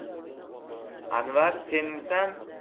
anvar senmisan